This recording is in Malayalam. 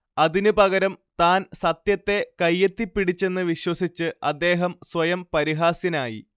അതിന് പകരം താൻ സത്യത്തെ കയ്യെത്തിപ്പിടിച്ചെന്ന് വിശ്വസിച്ച് അദ്ദേഹം സ്വയം പരിഹാസ്യനായി